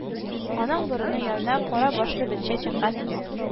Аның борыны янына кара башлы бетчә чыккан иде